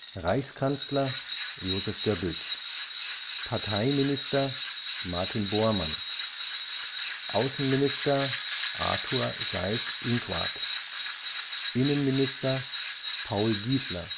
Reichskanzler: Joseph Goebbels Parteiminister: Martin Bormann Außenminister: Arthur Seyß-Inquart Innenminister: Paul Giesler